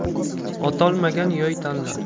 otolmagan yoy tanlar